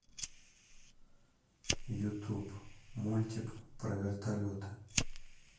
ютуб мультик про вертолеты